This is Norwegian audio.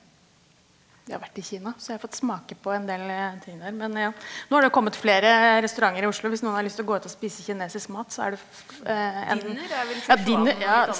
jeg har vært i Kina så jeg har fått smake på en del ting der, men ja nå har det jo kommet flere restauranter i Oslo hvis noen har lyst til å gå ut og spise kinesisk mat så er det ja Dinner ja.